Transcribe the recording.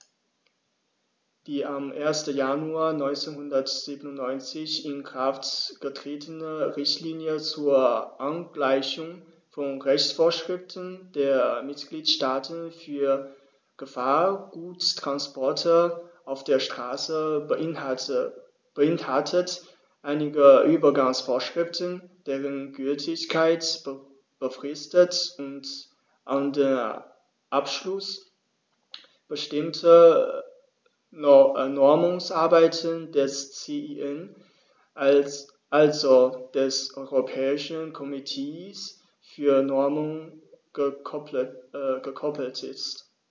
Die am 1. Januar 1997 in Kraft getretene Richtlinie zur Angleichung von Rechtsvorschriften der Mitgliedstaaten für Gefahrguttransporte auf der Straße beinhaltet einige Übergangsvorschriften, deren Gültigkeit befristet und an den Abschluss bestimmter Normungsarbeiten des CEN, also des Europäischen Komitees für Normung, gekoppelt ist.